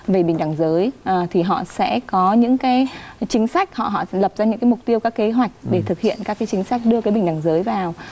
về bình đẳng giới à thì họ sẽ có những cái chính sách họ lập ra những cái mục tiêu các kế hoạch để thực hiện các cái chính sách đưa cái bình đẳng giới vào